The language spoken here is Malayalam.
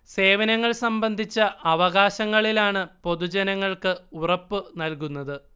സേവനങ്ങൾ സംബന്ധിച്ച അവകാശങ്ങളിലാണ് പൊതുജനങ്ങൾക്ക് ഉറപ്പു നൽകുന്നത്